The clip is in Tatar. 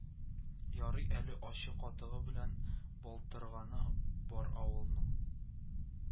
Ярый әле ачы катыгы белән балтырганы бар авылның